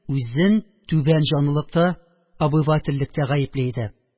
Үзен түбән җанлылыкта, обывательлектә гаепли иде.